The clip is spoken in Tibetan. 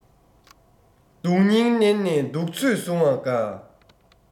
སྡུག སྙིང མནན ནས སྡུག ཚོད བཟུང བ དགའ